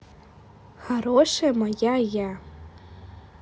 хорошая моя я